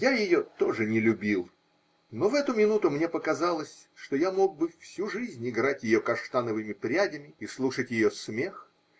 Я ее тоже не любил, но в эту минуту мне показалось, что я мог бы всю жизнь играть ее каштановыми прядями и слушать ее смех.